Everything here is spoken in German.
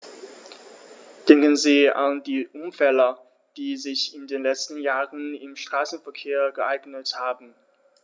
Denken Sie an die Unfälle, die sich in den letzten Jahren im Straßenverkehr ereignet haben.